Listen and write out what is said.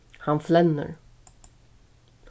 hann flennir